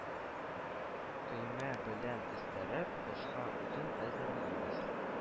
Көймә белән өстерәп, кышка утын әзерлибез